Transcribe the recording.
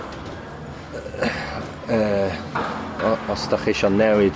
yy yy o- os dach chi isio newid